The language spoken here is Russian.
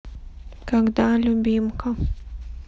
когда любимка